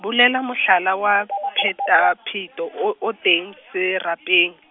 bolela mohlala wa , phetapheto, o o teng serapeng.